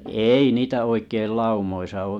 ei niitä oikein laumoissa ole